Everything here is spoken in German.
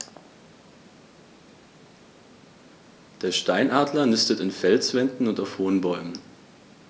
Der Steinadler nistet in Felswänden und auf hohen Bäumen.